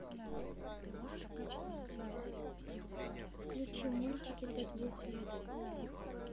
включи мультики для двух лет